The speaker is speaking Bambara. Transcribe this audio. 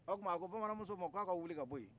o tuma a ko bamananmusow ma k'aw ka wuli ka bɔ yen